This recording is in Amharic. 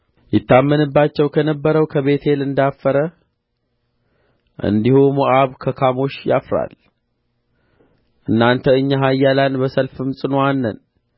ይታመንባት ከነበረው ከቤቴል እንዳፈረ እንዲሁ ሞዓብ ከካሞሽ ያፍራል እናንተ እኛ ኃያላን በሰልፍም ጽኑዓን ነን